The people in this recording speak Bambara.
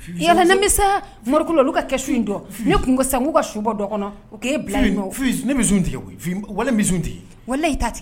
E Ala n lamɛn sa, morgue la olu ka kɛsu in dɔ, ne tun ko sisan n k'u ka su bɔ dɔ kɔnɔ o k'e bila yen nɔ, Fifi ne bɛ sun tigɛ koyi walahi n bɛ sun tigɛ, walahi i t'a tigɛ